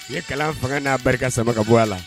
U ye kalan fanga n'a barika sama ka bɔ a la